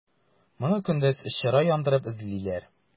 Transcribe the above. Моны көндез чыра яндырып эзлиләр.